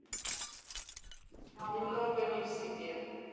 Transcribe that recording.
немного не в себе